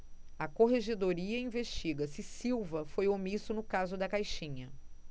a corregedoria investiga se silva foi omisso no caso da caixinha